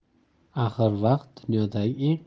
axir vaqt dunyodagi